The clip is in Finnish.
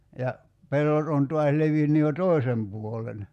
ja pellot on taas levinnyt jo toisen puolen